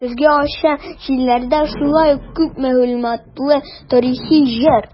"көзге ачы җилләрдә" шулай ук күп мәгълүматлы тарихи җыр.